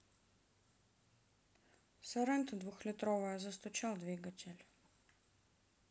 сорента двухлитровая застучал двигатель